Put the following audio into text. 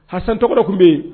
Hasan tɔgɔ tun bɛ yen